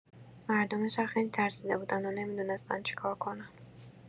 مردم شهر خیلی ترسیده بودن و نمی‌دونستن چیکار کنن.